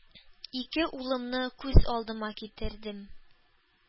Ике улымны күз алдыма китердем,